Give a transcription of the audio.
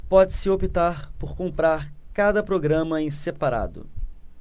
pode-se optar por comprar cada programa em separado